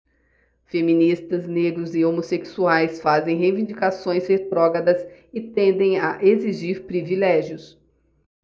feministas negros e homossexuais fazem reivindicações retrógradas e tendem a exigir privilégios